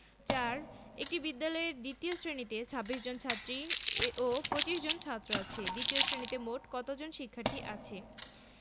৪ একটি বিদ্যালয়ের দ্বিতীয় শ্রেণিতে ২৬ জন ছাত্রী ও ২৫ জন ছাত্র আছে দ্বিতীয় শ্রেণিতে মোট কত জন শিক্ষার্থী আছে